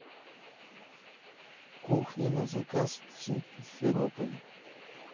кухни на заказ в симферополе